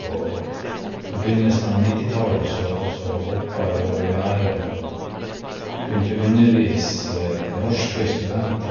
Og på begynnelsen av nittitallet så så hoppa jeg over gjerdet og begynte å undervise norske studenter.